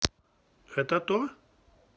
это то